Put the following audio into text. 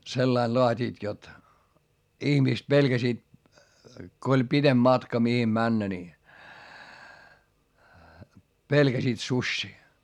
sillä lailla laativat jotta ihmiset pelkäsivät kun oli pitempi matka mihin mennä niin pelkäsivät susia